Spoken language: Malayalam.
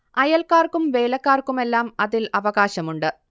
അയൽക്കാർക്കും വേലക്കാർക്കുമെല്ലാം അതിൽ അവകാശമുണ്ട്